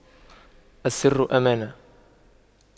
السر أمانة